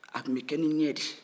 a tun be kɛ ni ɲɛ de ye